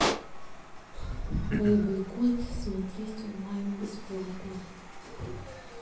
боевой конь смотреть онлайн бесплатно